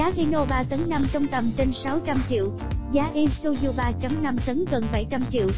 giá hino t trong tầm trên triệu giá isuzu tấn gần triệu